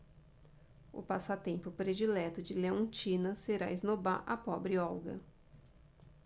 o passatempo predileto de leontina será esnobar a pobre olga